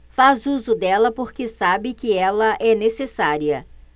faz uso dela porque sabe que ela é necessária